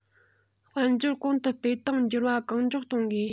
དཔལ འབྱོར གོང དུ སྤེལ སྟངས འགྱུར བ གང མགྱོགས གཏོང དགོས